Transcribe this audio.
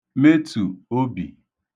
metù obì